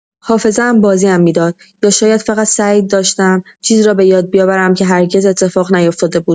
حافظه‌ام بازی‌ام می‌داد، یا شاید فقط سعی داشتم چیزی را بۀاد بیاورم که هرگز اتفاق نیفتاده بود.